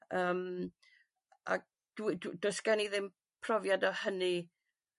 Yym a dw- dw- does gen i ddim profiad a hynny